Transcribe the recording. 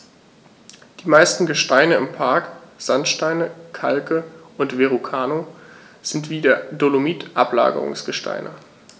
Die meisten Gesteine im Park – Sandsteine, Kalke und Verrucano – sind wie der Dolomit Ablagerungsgesteine.